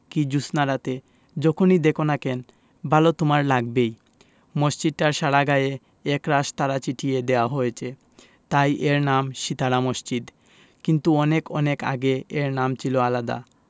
কি জ্যোৎস্নারাতে যখনি দ্যাখো না কেন ভালো তোমার লাগবেই মসজিদটার সারা গায়ে একরাশ তারা ছিটিয়ে দেয়া হয়েছে তাই এর নাম সিতারা মসজিদ কিন্তু অনেক অনেক আগে এর নাম ছিল আলাদা